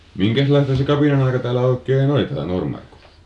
minkäslaista se kapinanaika täällä oikein oli täällä Noormarkussa